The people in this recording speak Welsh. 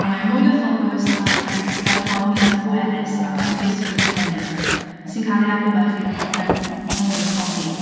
A mae mwy o ffocws ar, yym, berfformiad pwerus a moethusrwydd y cynnyrch, sy'n cael ei adlewyrchu yn no- yn nhôn y copi.